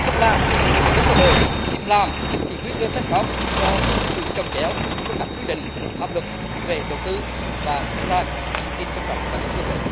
không làm thì sẽ mất cơ hội nhưng làm thì nguy cơ sai sót do sự chồng chéo trong các quy định của pháp luật về đầu tư và đất đai xin trân trọng cảm ơn quốc hội